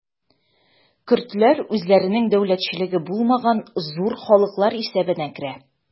Көрдләр үзләренең дәүләтчелеге булмаган зур халыклар исәбенә керә.